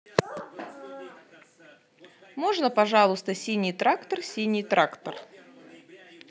можно пожалуйста синий трактор синий трактор